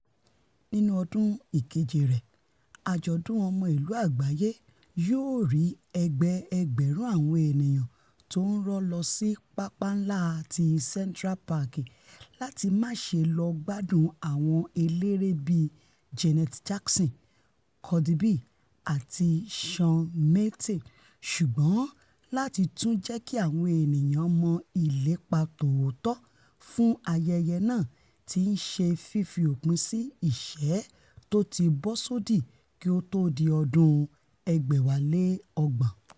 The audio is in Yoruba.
nínú ọdún ìkeje rẹ̀, Àjọ̀dun Ọmọ Ìlú Àgbáyé yóò rí ẹgbẹ-ẹgbẹ̀rún àwọn ènìyàn tó ńrọ́ lọsí Pápá Ńlá ti Central Park láti máṣe lọ gbádùn àwọn eléré bíi Janet Jackson, Cardi B àti Shawn Mendes, ṣùgbọ́n láti tún jẹ́kí àwọn ènìyàn mọ ìlépa tòótọ́ fún ayẹyẹ naa tííṣe fifi òpin sí ìṣẹ́ tóti bọ́sódi kí ó tó di ọdún 2030.